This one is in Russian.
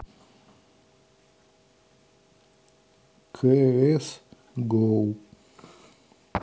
кс гоу